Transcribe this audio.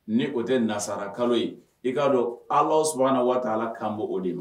Ni o tɛ nasara kalo ye i k'a dɔn ala s waa ala kan bɔ o de ma